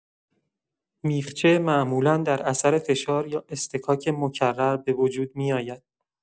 میخچه معمولا در اثر فشار یا اصطکاک مکرر به وجود می‌آید.